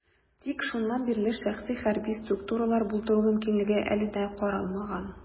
Тик шуннан бирле шәхси хәрби структуралар булдыру мөмкинлеге әле дә каралмаган.